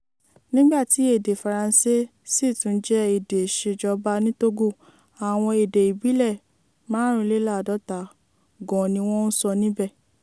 Nígbà tí èdè Faransé sì tún jẹ́ èdè ìṣèjọba ní Togo, àwọn èdè ìbílẹ̀ 53 gan ni wọ́n ṣ sọ níbẹ̀.